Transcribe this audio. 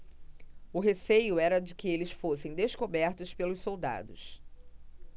o receio era de que eles fossem descobertos pelos soldados